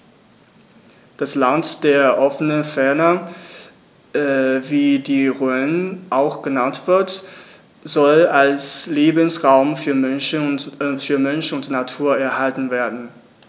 Das „Land der offenen Fernen“, wie die Rhön auch genannt wird, soll als Lebensraum für Mensch und Natur erhalten werden.